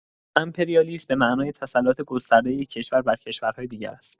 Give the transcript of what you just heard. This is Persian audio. امپریالیسم به معنای تسلط گستردۀ یک کشور بر کشورهای دیگر است.